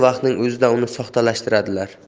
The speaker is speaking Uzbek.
vaqtning o'zida uni soxtalashtiradilar